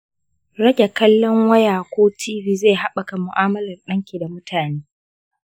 rage kallon waya ko tv zai habaka mua'amalar danki da mutane.